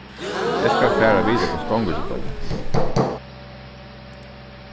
eg skal fara og vita hvussu gongur hjá teimum